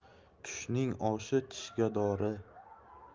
tushning oshi tishga dori